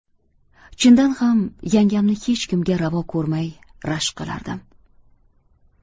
ha chindan ham yangamni hech kimga ravo ko'rmay rashk qilardim